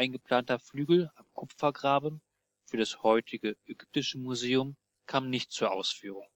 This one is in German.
geplanter Flügel am Kupfergraben für das heutige Ägyptische Museum kam nicht zur Ausführung